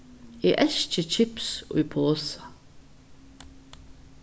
eg elski kips í posa